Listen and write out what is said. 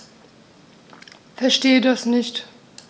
Verstehe das nicht.